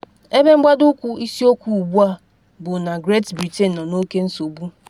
Ebe mgbado ukwu isiokwu ugbu a bụ na Great Britain nọ n’oke nsogbu.